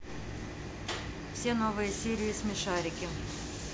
все новые серии смешарики